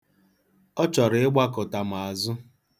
Ọ chọrọ ịgbakụta m azụ.